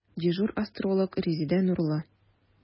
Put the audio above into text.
Дежур астролог – Резеда Нурлы.